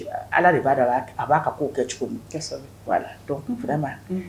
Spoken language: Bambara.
Ala de b'a la a b'a ka' kɛ cogo min ma